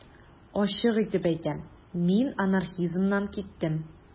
Ачык итеп әйтәм: мин анархизмнан киттем.